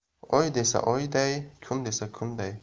oy desa oyday kun desa kunday